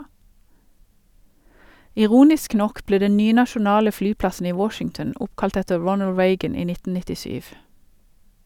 Ironisk nok ble den nye nasjonale flyplassen i Washington oppkalt etter Ronald Reagan i 1997.